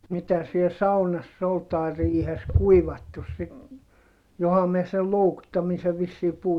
mitä siellä saunassa oli tai riihessä kuivattu sitten johan minä sen loukuttamisen vissiin puhuin